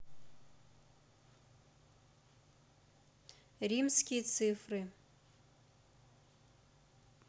римские цифры